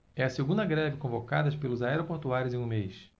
é a segunda greve convocada pelos aeroportuários em um mês